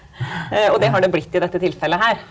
og det har det blitt i dette tilfellet her.